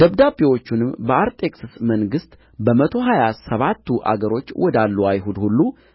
ደብዳቤዎቹንም በአርጤክስስ መንግሥት በመቶ ሀያ ሰባቱ አገሮች ወዳሉ አይሁድ ሁሉ